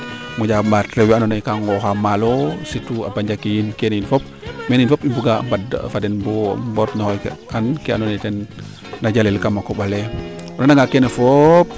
moƴa mbaat rew we ando naye ga ngooxa maalo surtout a banja ke yin fop mene yiin fop i mbuga mband fa den bop mboot no xiik an ke ando naye ten na jaleel kam koɓale o nana nga keene fop